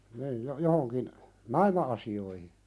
niin - johonkin naima-asioihin